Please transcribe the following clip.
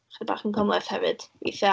chydig bach yn cymhleth hefyd weithiau.